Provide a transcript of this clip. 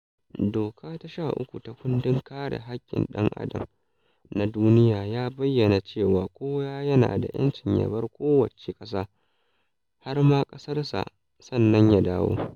Doka ta 13 ta Kundin Kare Haƙƙin Dan Adam na Duniya ya bayyana cewa "Kowa yana da 'yancin ya bar kowacce ƙasa har ma ƙasarsa, sannan ya dawo".